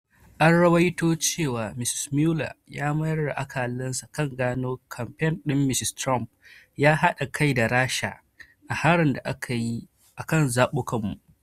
An ruwaito cewa Mr. Mueller ya mayar da akalansa kan gano ko kamfen din Mr. Trump ya hada kai da Rasha a harin da aka yi a kan zabukanmu.